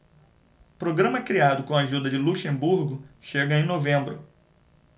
programa criado com a ajuda de luxemburgo chega em novembro